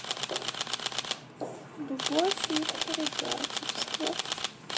любовь и предательство